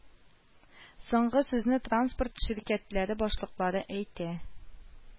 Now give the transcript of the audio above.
Соңгы сүзне транспорт ширкәтләре башлыклары әйтә